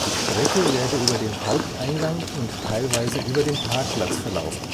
Strecke werde über den Haupteingang und teilweise über den Parkplatz verlaufen